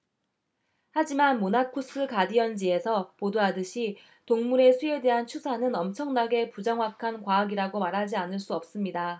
하지만 모나쿠스 가디언 지에서 보도하듯이 동물의 수에 대한 추산은 엄청나게 부정확한 과학이라고 말하지 않을 수 없습니다